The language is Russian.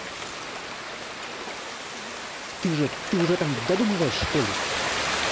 ты же ты уже там додумываешь что ли